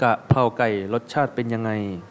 กะเพราไก่รสชาติเป็นยังไง